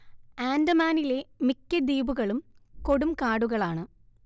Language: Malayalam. ആൻഡമാനിലെ മിക്ക ദ്വീപുകളും കൊടുംകാടുകളാണ്